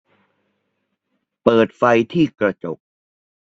เปิดไฟที่กระจก